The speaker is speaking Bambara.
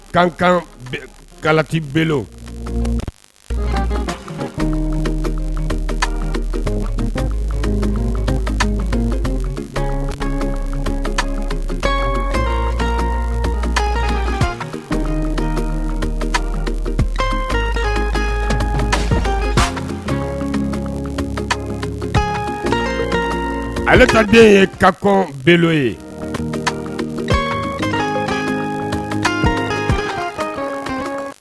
Ka kakalati b ale ka den ye kakɔ bere ye